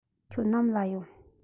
ཁྱོད ནམ ལ ཡོང